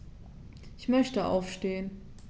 Ich möchte aufstehen.